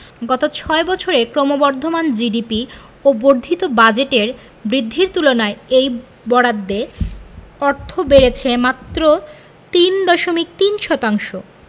গত ছয় বছরে ক্রমবর্ধমান জিডিপি ও বর্ধিত বাজেটের বৃদ্ধির তুলনায় এই বরাদ্দে অর্থ বেড়েছে মাত্র তিন দশমিক তিন শতাংশ